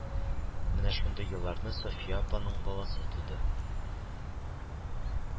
Менә шундый елларны Сафия апаның баласы туды